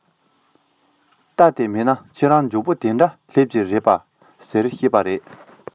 རྟ དེ མེད ན ཁྱེད རང མགྱོགས པོ དེའི འདྲ སླེབས ཀྱི རེད པས ཟེར བཤད པ རེད